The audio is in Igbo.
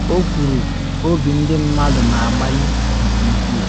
O kwuru “obi ndị mmadụ na agbali nke ukwuu,”.